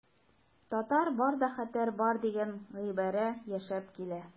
Татар барда хәтәр бар дигән гыйбарә яшәп килә.